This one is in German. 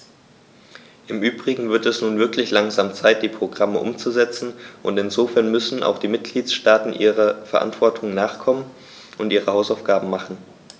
Im übrigen wird es nun wirklich langsam Zeit, die Programme umzusetzen, und insofern müssen auch die Mitgliedstaaten ihrer Verantwortung nachkommen und ihre Hausaufgaben machen.